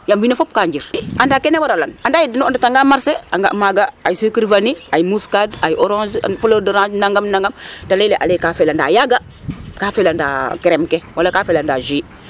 Yaam wiin we fop gaa njir anda ke na waralan anda yee nu ndetanga marché a nga' maaga sucre vanille mouscade ay Orange flodorange nangam nangam ta lay ee ale kaa felanda yaaga, ka felanda créme ke wala ka felanda jus.